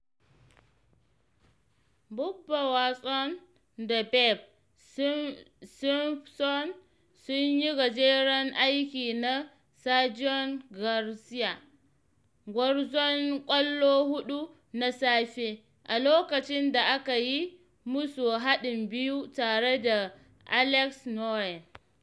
Bubba Watson da Webb Simpson sun yi gajeren aiki na Sergio Garcia, gwarzon ƙwallo huɗu na safe, a lokacin da aka yi musu haɗin biyu tare da Alex Noren.